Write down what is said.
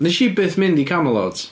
Wnes i byth mynd i Camelot.